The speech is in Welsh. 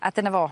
A dyna fo.